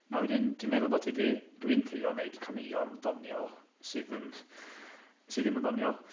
A wedyn, ti'n meddwl bod ti 'di... Dwi'n trio gwneud caneuon doniol sydd yn sy ddim yn ddoniol.